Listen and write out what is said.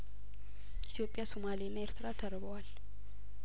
ኢትዮጵያ ሱማሌና ኤርትራ ተርበዋል